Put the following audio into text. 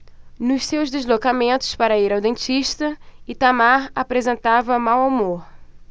nos seus deslocamentos para ir ao dentista itamar aparentava mau humor